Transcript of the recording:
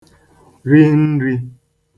ri nrī